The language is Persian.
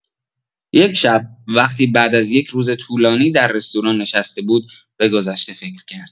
یک شب، وقتی بعد از یک روز طولانی در رستوران نشسته بود، به گذشته فکر کرد.